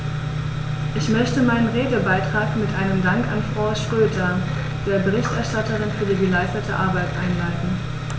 Ich möchte meinen Redebeitrag mit einem Dank an Frau Schroedter, der Berichterstatterin, für die geleistete Arbeit einleiten.